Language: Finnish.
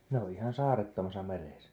ne on ihan saarettomassa meressä